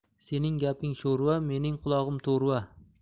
sening gaping sho'rva mening qulog'im to'rva